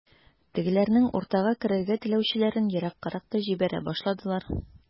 Тегеләрнең уртага керергә теләүчеләрен ераккарак та җибәрә башладылар.